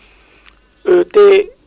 le service semencier là moom ci boppam